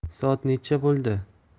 soat necha bo'ldi